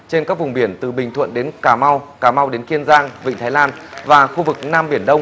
trên các vùng biển từ bình thuận đến cà mau cà mau đến kiên giang vịnh thái lan và khu vực nam biển đông